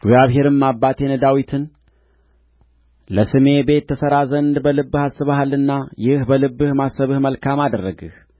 እግዚአብሔርም አባቴን ዳዊትን ለስሜ ቤት ትሠራ ዘንድ በልብህ አስበሃልና ይህን በልብህ ማሰብህ መልካም አደረግህ